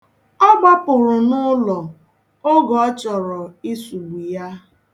Ọ gbapụrụ n'ụlọ oge ọ chọrọ ịsụgbu ya.